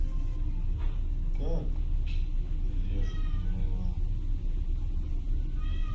как режут мыло